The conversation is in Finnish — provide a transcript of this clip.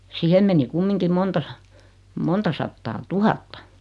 siihen meni kumminkin monta - monta sataa tuhatta